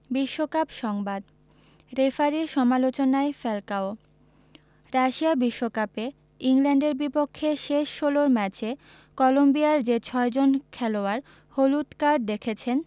বিশ্বকাপ সংবাদ রেফারির সমালোচনায় ফ্যালকাও রাশিয়া বিশ্বকাপে ইংল্যান্ডের বিপক্ষে শেষ ষোলোর ম্যাচে কলম্বিয়ার যে ছয়জন খেলোয়াড় হলুদ কার্ড দেখেছেন